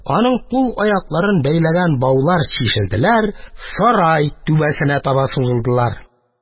Аның кул-аякларын бәйләгән баулар чишелделәр, сарай түбәсенә таба сузылдылар.